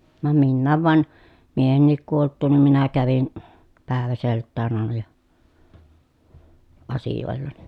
vaan minäkin vaan miehenikin kuoltua niin minä kävin päiväseltään aina ja asioillani